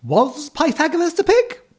Was Pythagoras a pig?